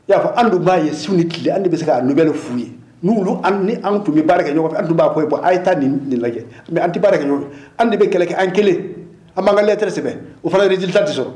Y'a fɔ anw dun b'a ye su ni tile anw de bɛ se k'a nouvelle f'u ye ni anw tun bɛ baara kɛ ɲɔgɔn fɛ anw tun b'a kɔ yen bon a' ye taa ni lajɛ mais an tɛ baara kɛ ɲɔgɔn fɛ, an de bɛ kɛlɛ kɛ an kelen an b'an ka lɛtɛrɛ sɛbɛnr o fana résultat tɛ sɔrɔ